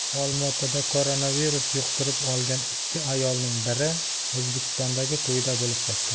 olmaotada koronavirus yuqtirib olgan ikki ayolning biri o'zbekistondagi to'yda bo'lib qaytgan